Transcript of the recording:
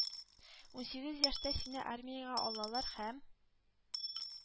Унсигез яшьтә сине армиягә алалар һәм